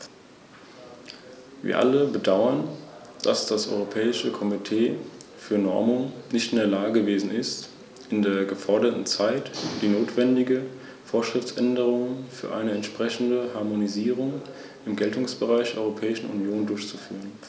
Der Vorschlag der Kommission führt nicht zur Schaffung eines einheitlichen, EU-weiten Patents gemäß Artikel 118, und die verstärkte Zusammenarbeit wirkt sich auf die Unternehmensgründung und den freien Kapitalverkehr negativ aus.